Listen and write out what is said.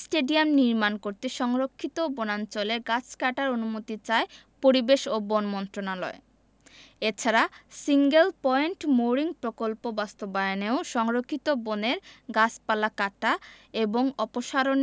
mini stadium নির্মাণ করতে সংরক্ষিত বনাঞ্চলের গাছ কাটার অনুমতি চায় পরিবেশ ও বন মন্ত্রণালয় এছাড়া সিঙ্গেল পয়েন্ট মোরিং প্রকল্প বাস্তবায়নেও সংরক্ষিত বনের গাছপালা কাটা